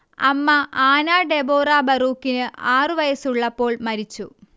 അമ്മ Anna Deborah ബറൂക്കിന് ആറുവയസ്സുള്ളപ്പോൾ മരിച്ചു